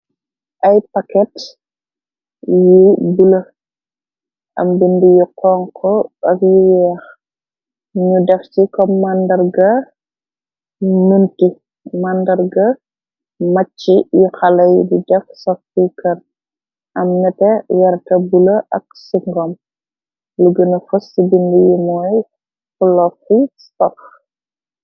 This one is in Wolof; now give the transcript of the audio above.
Ayd paket yi bulë am bind yu xonko akyi yeex nu dex ci ko màndarga munti màndarga macci yu xaley du def soffi kër am nete yarta bula ak singrom lu gëna fos ci bind yi mooy xlof fi stof.